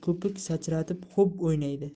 ko'pik sachratib xo'p o'ynaydi